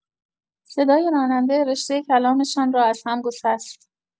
صدای راننده رشته کلامشان را از هم گسست.